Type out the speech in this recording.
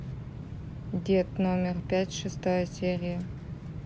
дед номер пять шестая серия